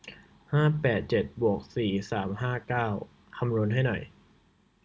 ห้าแปดเจ็ดบวกสี่ห้าสามเก้าคำนวณให้หน่อย